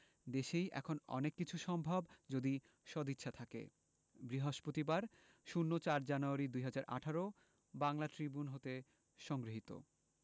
দেশেই এখন অনেক কিছু সম্ভব যদি সদ ইচ্ছা থাকে বৃহস্পতিবার ০৪ জানুয়ারি ২০১৮ বাংলা ট্রিবিউন হতে সংগৃহীত